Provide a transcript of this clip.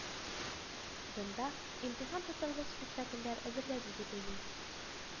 Дында имтихан тотарлык спектакльләр әзерләде дип уйлыйм